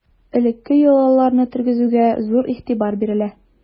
Элекке йолаларны тергезүгә зур игътибар бирелә.